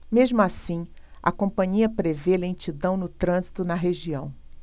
mesmo assim a companhia prevê lentidão no trânsito na região